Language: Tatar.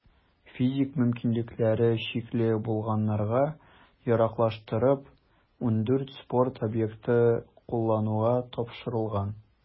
Физик мөмкинлекләре чикле булганнарга яраклаштырып, 14 спорт объекты куллануга тапшырылган.